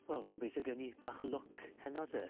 Wel gobeithio gewn ni bach o lwc heno te.